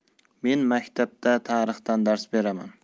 men maktabda tarixdan dars beraman